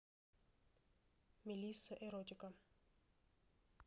мелисса эротика